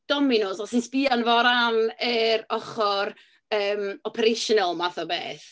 Domino's, os ti'n sbïo arno fo o ran yr ochr, yym, operational math o beth.